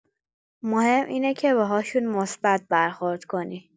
مهم اینه که باهاشون مثبت برخورد کنی.